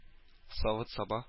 Савыт-саба